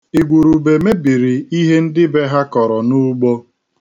Igwurube mebiri ihe ndị be ha kọrọ n'ugbo.